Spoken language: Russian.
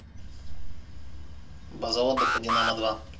база отдыха динамо два